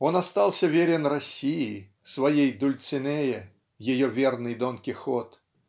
Он остался верен России, своей Дульцинее, ее верный Дон Кихот.